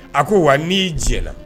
A ko wa ni jɛla.